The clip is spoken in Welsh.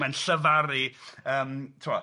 Mae'n llyfaru yym timod.